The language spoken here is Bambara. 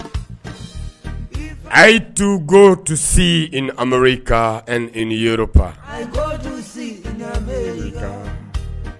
A y' tugugo to se amadu ka ni yɔrɔ